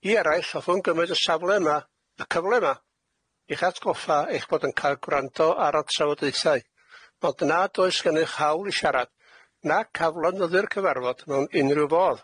I eraill hoffwn gymryd y safle 'ma, y cyfle 'ma, i'ch atgoffa eich bod yn ca'l gwrando ar y trafodaethau, bod nad oes gennych hawl i siarad, nac aflonddyddur y cyfarfod mewn unryw fodd.